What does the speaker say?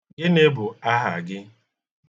Gịnị bụ aha gị?